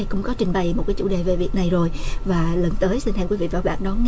cũng đã trình bày một với chủ đề về việc này rồi và lần tới xin theo quý vị và các bạn